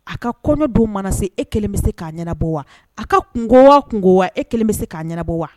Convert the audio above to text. A ka kɔɲɔ don mana se e kelen bɛ se k'a ɲɛnabɔ wa a ka kunkoya o kunkoya e kelen bɛ se k'a ɲɛnabɔ wa